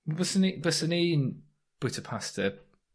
On' byswn i byswn i'n bwyta pasta